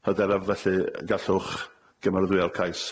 Hyderaf felly y gallwch gymeradwyo'r cais.